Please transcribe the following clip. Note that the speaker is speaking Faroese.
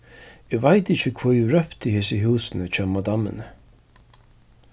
eg veit ikki hví vit róptu hesi húsini hjá madammuni